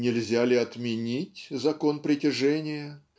нельзя ли "отменить" закон притяжения